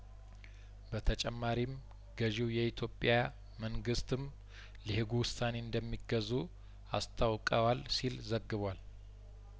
በተጨማሪም ገዢው የኢትዮጵያ መንግስትም ለሄጉ ውሳኔ እንደሚገዙ አስታውቀዋል ሲል ዘግቧል